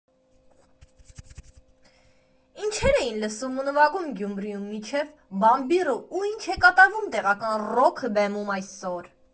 Ինչեր էին լսում ու նվագում Գյումրիում մինչև «Բամբիռը» ու ինչ է կատարվում տեղական ռոք բեմում այսօր։